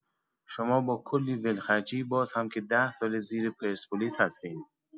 شما با کلی ولخرجی بازهم که ده‌ساله زیر پرسپولیس هستین.